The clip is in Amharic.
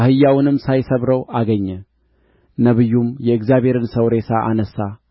አህያውንም ሳይሰብረው አገኘ ነቢዩም የእግዚአብሔርን ሰው ሬሳ አነሣ